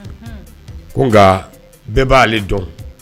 Nka bɛɛ b' dɔn